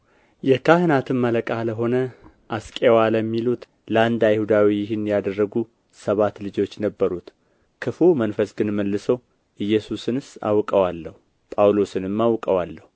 የካህናትም አለቃ ለሆነ አስቄዋ ለሚሉት ለአንድ አይሁዳዊ ይህን ያደረጉ ሰባት ልጆች ነበሩት ክፉው መንፈስ ግን መልሶ ኢየሱስንስ አውቀዋለሁ ጳውሎስንም አውቀዋለሁ